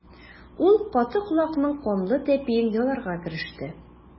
Ул каты колакның канлы тәпиен яларга кереште.